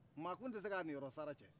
maa tun tɛ se k'a niyɔrɔ sara cɛ